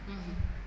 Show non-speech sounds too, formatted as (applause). (hesitation) (hesitation)